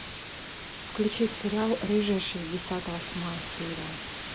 включи сериал рыжая шестьдесят восьмая серия